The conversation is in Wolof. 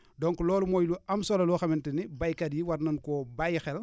donc loolu mooy lu am solo loo xamante ne béykat yi war nañu koo bàyyi xel